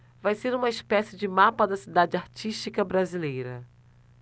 vai ser uma espécie de mapa da cidade artística brasileira